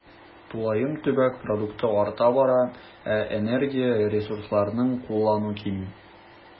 Тулаем төбәк продукты арта бара, ә энергия, ресурсларны куллану кими.